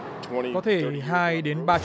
có thể hai đến ba